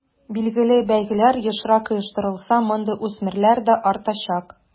Билгеле, бәйгеләр ешрак оештырылса, мондый үсмерләр дә артачак.